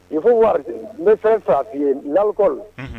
I fɔ waati n ne bɛ fɛn fa fɔi ye lakɔrɔ